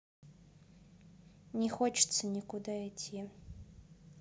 не хочется никуда идти